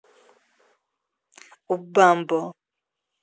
у bamboo